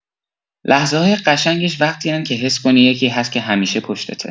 لحظه‌های قشنگش وقتی‌ان که حس کنی یکی هست که همیشه پشتته.